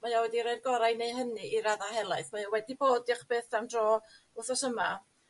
mae o wedi roi'r gorau i neu' hynny i radda helaeth mae o wedi bod dioch byth am dro wthnos yma